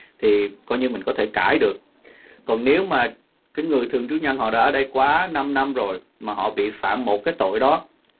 thì coi như mình có thể cãi được còn nếu mà người thường trú nhân họ đã ở đây quá năm năm rồi mà họ bị phạm một cái tội đó